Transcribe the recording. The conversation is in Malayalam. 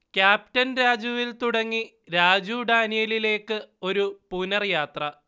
ക്യാപ്റ്റൻ രാജുവിൽ തുടങ്ങി രാജു ഡാനിയേലിലേക്ക് ഒരു പുനർയാത്ര